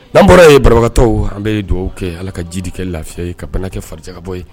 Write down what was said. N'an bɔra ye banabagatɔw an' bee duwawu kɛ Ala ka jidi kɛ lafiya ye ka bana kɛ farijagabɔ ye